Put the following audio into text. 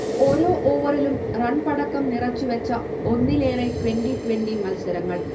ഓരോ ഓവറിലും റൺപടക്കം നിറച്ചു വച്ച ഒന്നിലേറെ ട്വന്റിട്വന്റി മൽസരങ്ങൾ